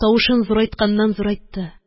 Тавышын зурайтканнан-зурайтты.